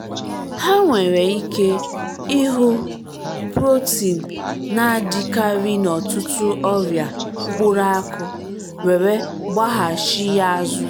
Ha nwere ike ‘ịhụ’ protin na-adịkarị n’ọtụtụ ọrịa mkpụrụ akụ, were gbaghachi ya azụ